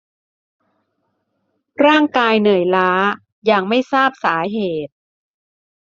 ร่างกายเหนื่อยล้าอย่างไม่ทราบสาเหตุ